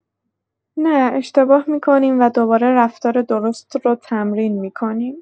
نه، اشتباه می‌کنیم و دوباره رفتار درست رو تمرین می‌کنیم.